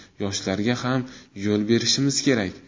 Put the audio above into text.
yoshlarga ham yo'l berishimiz kerak